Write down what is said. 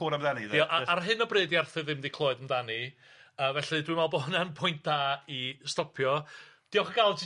...clwad amdani de jyst... Ie, a- ar hyn o bryd, 'di Arthur ddim 'di clwed amdani a felly dwi'n me'wl bo' hwnna'n pwynt da i stopio. Diolch o galon ti...